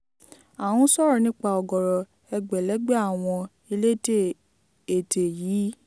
À ń sọ̀rọ̀ nípa ọ̀gọ̀rọ̀ ẹgbẹ̀lẹ́gbẹ̀ àwọn elédè èdè yìí.